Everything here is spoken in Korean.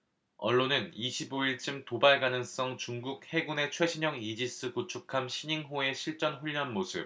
언론은 이십 오 일쯤 도발 가능성중국 해군의 최신형 이지스 구축함 시닝호의 실전훈련 모습